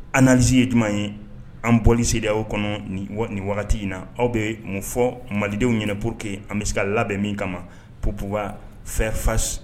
An'zsi ye jumɛn ye an bɔsi o kɔnɔ nin wagati in na aw bɛ mun fɔ malidenw ɲɛna porour que an bɛ se ka labɛn min kama ppba fɛnfa